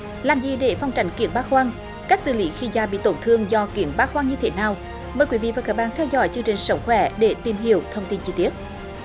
làm gì để phòng tránh kiến ba khoang cách xử lý khi da bị tổn thương do kiến ba khoang như thế nào mời quý vị và các bạn theo dõi chương trình sống khỏe để tìm hiểu thông tin chi tiết